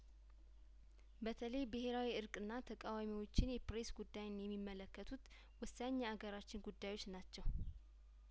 በተለይ ብሄራዊ እርቅና ተቃዋሚዎችን የፕሬስ ጉዳይን የሚመለከቱት ወሳኝ የአገራችን ጉዳዮች ናቸው